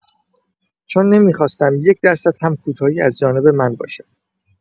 چون نمی‌خواستم یک درصد هم کوتاهی از جانب من باشد.